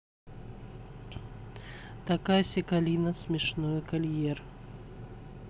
такаси калина смешной collier